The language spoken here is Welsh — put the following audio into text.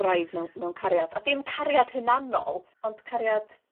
gwraidd mewn mewn cariad a dim cariad hunanol ond cariad